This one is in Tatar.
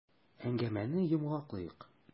Әңгәмәне йомгаклыйк.